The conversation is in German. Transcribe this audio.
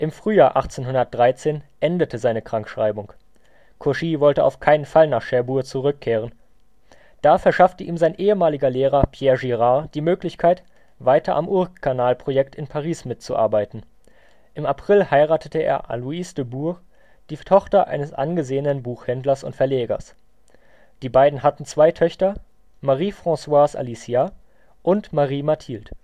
Frühjahr 1813 endete seine Krankschreibung. Cauchy wollte auf keinen Fall nach Cherbourg zurückkehren. Da verschaffte ihm sein ehemaliger Lehrer Pierre Girard die Möglichkeit, weiter am Ourcq-Kanalprojekt in Paris mitzuarbeiten. Im April heiratete er Aloise de Bure, die Tochter eines angesehenen Buchhändlers und Verlegers. Die beiden hatten zwei Töchter, Marie Françoise Alicia und Marie Mathilde